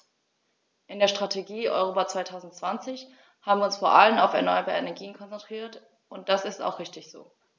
In der Strategie Europa 2020 haben wir uns vor allem auf erneuerbare Energien konzentriert, und das ist auch richtig so.